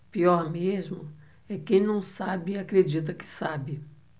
pior mesmo é quem não sabe e acredita que sabe